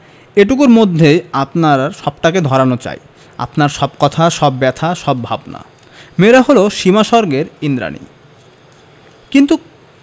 এটুকুর মধ্যে আপনার সবটাকে ধরানো চাই আপনার সব কথা সব ব্যাথা সব ভাবনা মেয়েরা হল সীমাস্বর্গের ঈন্দ্রাণী কিন্তু